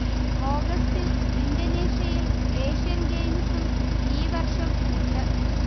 ഓഗസ്റ്റിൽ ഇന്തോനേഷ്യയിൽ ഏഷ്യൻ ഗെയിംസും ഈവർഷം ഉണ്ട്